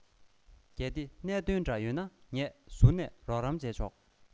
གལ ཏེ གནད དོན འདྲ ཡོད ན ངས ཟུར ནས རོགས རམ བྱས ཆོག